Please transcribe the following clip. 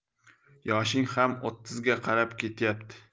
yoshing ham o'ttizga qarab ketyapti